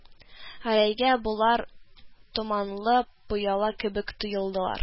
Гәрәйгә болар томанлы пыяла кебек тоелдылар